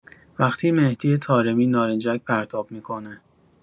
وقتی مهدی طارمی نارنجک پرتاب می‌کنه